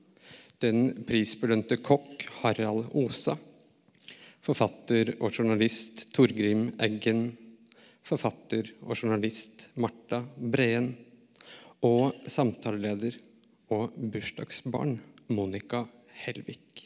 den prisbelønte kokk Harald Osa, forfatter og journalist Torgrim Eggen, forfatter og journalist Marta Breen og samtaleleder og bursdagsbarn Monica Helvig.